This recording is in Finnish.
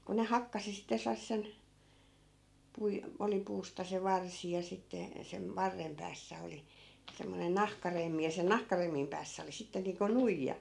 kun ne hakkasi sitä sellaiseen - oli puusta se varsi ja sitten - varren päässä oli semmoinen nahkaremmi ja sen nahkaremmin päässä oli sitten niin kuin nuija